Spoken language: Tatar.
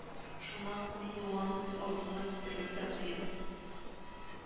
Шуннан соң ни булганын күз алдына китерүе дә кыен